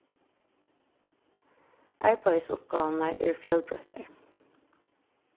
arbeiðsuppgávurnar eru fjølbroyttar